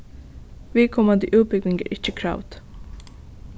viðkomandi útbúgving er ikki kravd